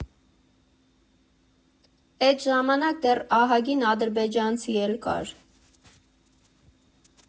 Էդ ժամանակ դեռ ահագին ադրբեջանցի էլ կար։